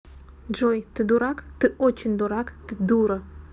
джой ты дурак ты очень дурак ты дура